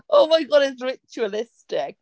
Oh my god it's ritualistic.